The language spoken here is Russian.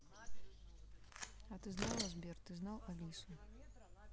а ты знала сбер ты знал алису